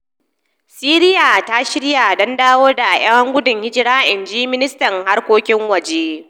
Siriya ta “shirya” don dawo da 'yan gudun hijira, in ji ministan harkokin waje